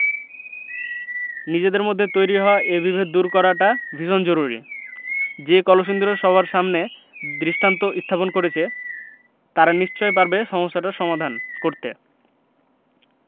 নিজেদের মধ্যে তৈরি হওয়া এই বিভেদ দূর করাটা ভীষণ জরুরি যে কলসিন্দুর সবার সামনে দৃষ্টান্ত স্থাপন করেছে তারা নিশ্চয়ই পারবে সমস্যাটার সমাধান করতে